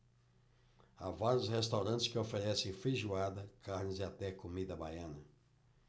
há vários restaurantes que oferecem feijoada carnes e até comida baiana